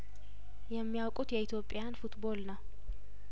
የሚያውቁት የኢትዮጵያን ፉትቦል ነው